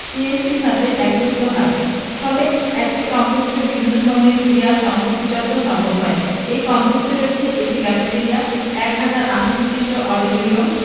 TSC সাথে একীভূত হয় ফলে একই কমপ্লেক্সে বিভিন্ন ধরনের ক্রীড়া ও সংস্কৃতি চর্চা সম্ভব হয় এ কমপ্লেক্সে রয়েছে একটি ক্যাফেটরিয়া এক হাজার আসনবিশিষ্ট অডিটোরিয়াম